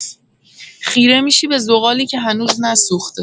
خیره می‌شی به زغالی که هنوز نسوخته.